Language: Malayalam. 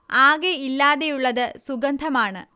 ആകെ ഇല്ലാതെയുള്ളത് സുഗന്ധമാണ്